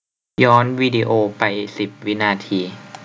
ย้อนวีดีโอไปสิบวินาที